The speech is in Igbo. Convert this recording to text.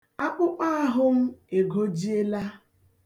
Akpụkpọahụ m egojiela.